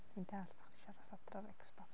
Dwi'n dallt bo' chdi isio aros adra efo Xbox